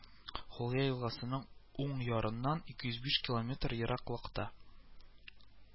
Хулга елгасының уң ярыннан ике йөз биш километр ераклыкта